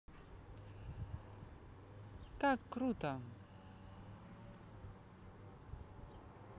как круто